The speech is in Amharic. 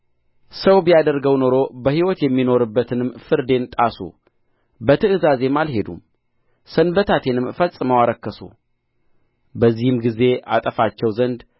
ሰው ቢያደርገው ኖሮ በሕይወት የሚኖርበትንም ፍርዴን ጣሱ በትእዛዜም አልሄዱም ሰንበታቴንም ፈጽመው አረከሱ በዚህም ጊዜ አጠፋቸው ዘንድ